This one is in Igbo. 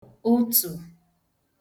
ụtụ̀